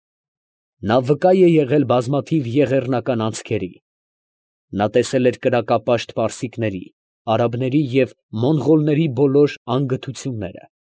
Նա վկա է եղել բազմաթիվ եղեռնական անցքերի. նա տեսել էր կրակապաշտ պարսիկների, արաբների և մոնղոլների բոլոր անգթությունները։